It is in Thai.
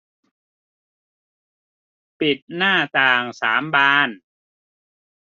ปิดหน้าต่างสามบาน